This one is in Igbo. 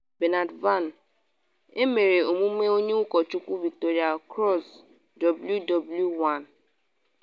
Bernard Vann: Emere emume onye ụkọchukwu Victoria Cross WW1